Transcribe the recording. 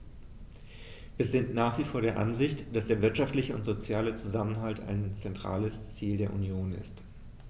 Wir sind nach wie vor der Ansicht, dass der wirtschaftliche und soziale Zusammenhalt ein zentrales Ziel der Union ist.